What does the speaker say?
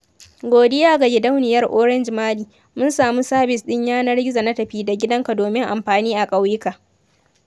Godiya ga gidauniyar Orange Mali, mun samu sabis ɗin yanar gizo na tafi da gidanka domin amfani a ƙauyuka.